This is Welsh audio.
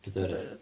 Pedwerydd.